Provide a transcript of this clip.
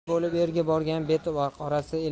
eri bo'lib erga borgan bet qorasi